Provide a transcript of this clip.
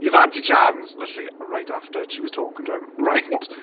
You've had your chance. Literally, right after, she was talking to him. Right.